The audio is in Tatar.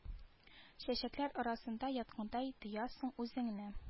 Чәчәкләр арасында яткандай тоясың үзеңне